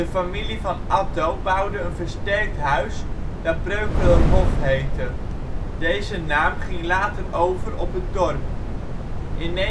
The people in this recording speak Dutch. familie van Atto bouwde een versterkt huis dat Breukelerhof heette. Deze naam ging later over op het dorp. In 953